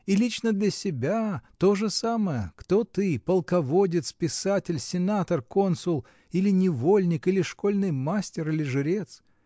И лично для себя то же самое: кто ты: полководец, писатель, сенатор, консул, или невольник, или школьный мастер, или жрец?